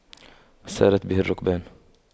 سارت به الرُّكْبانُ